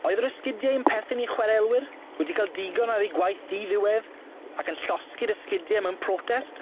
Oedd yr esgidiau yn perthyn i chwarelwyr? Wdi ca'l digon ar eu gwaith di-ddiwedd? Ac yn llosgi'r esgidie mewn protest?